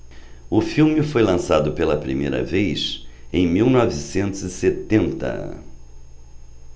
o filme foi lançado pela primeira vez em mil novecentos e setenta